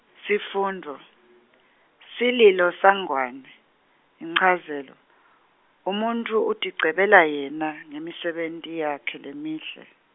sifundvo, sililo saNgwane, inchazelo, umuntfu utigcebela yena ngemisebenti yakhe lemihle.